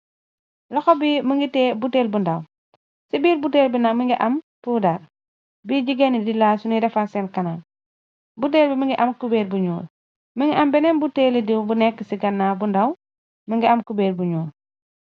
Lohou be muge taye botele bu ndaw se birr botele be muge ameh pudar buye jegain ye de lal sunuy defar sen kanam botele be muge am kuberr bu nuul muge am benen botele daw bu neka se ganaw bu ndaw muge am kuberr bu nuul.